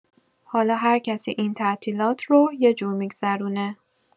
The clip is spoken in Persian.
حالا هر کسی این تعطیلات رو یه جور می‌گذرونه.